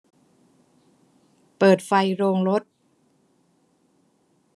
เปิดไฟโรงรถ